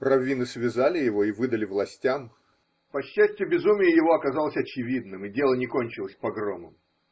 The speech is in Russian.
Раввины связали его и выдали властям: но счастью, безумие его оказалось очевидным, и дело не кончилось погромом.